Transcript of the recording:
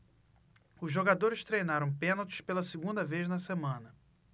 os jogadores treinaram pênaltis pela segunda vez na semana